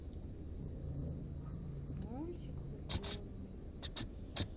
мультик влюбленные